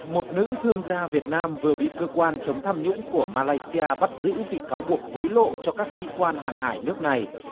một nữ thương gia việt nam vừa bị cơ quan chống tham nhũng của ma lai xi a bắt giữ vì cáo buộc hối lộ cho các sĩ quan hàng hải nước này